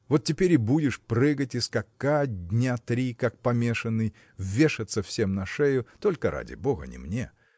Вот теперь и будешь прыгать и скакать дня три как помешанный вешаться всем на шею – только ради бога не мне.